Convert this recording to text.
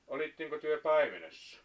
olitteko te paimenessa